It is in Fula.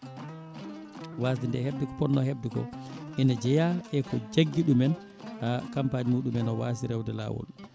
wasde nde hebde ko ponno hebde ko ene jeeya e ko jagguiɗumen ha campagne muɗumen o waasi rewde lawol